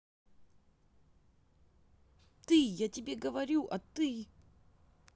ты я тебе говорю а ты